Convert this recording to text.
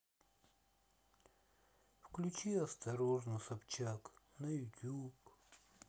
включи осторожно собчак на ютуб